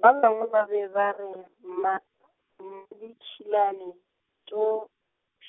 ba bangwe ba be ba re mma, Mmaditšhilane tšo,